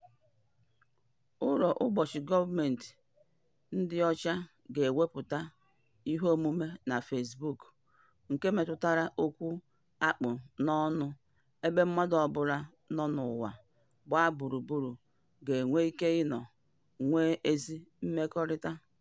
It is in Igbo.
Ụlọ ọchịchị gọọmentị ndị ọcha ga-ewepụta "iheomume" na Fezbuk nke metụtara okwu akpụ n'ọnụ ebe mmadụ ọbụla nọ n'ụwa gbaa gburugburu ga-enwe ike ị nọ nwee ezi mmekọrịta.